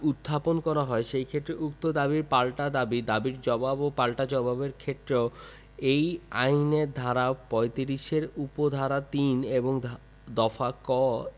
উত্থাপন করা হয় সেইক্ষেত্রে উক্ত দাবীর পাল্টা দাবী দাবীর জবাব ও পাল্টা জবাবের ক্ষেত্রেও এই আইনের ধারা ৩৫ এর উপ ধারা ৩ এর দফা ক